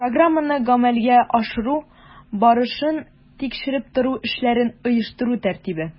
Программаны гамәлгә ашыру барышын тикшереп тору эшләрен оештыру тәртибе